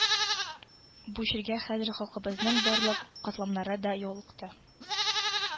Бу чиргә хәзер халкыбызның барлык катламнары да юлыкты